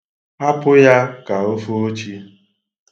Hapụ ya ka o foo chi.